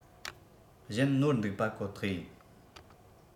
གཞན ནོར འདུག པ ཁོ ཐག ཡིན